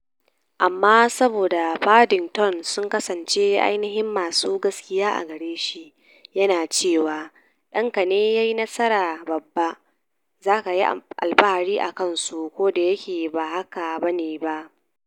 "Amma saboda Paddington sun kasance ainihin masu gaskiya a gare shi, yana cewa danka ne yayi wata nasara babba: zaka yi alfahari akan su ko da yake ba haka bane ba.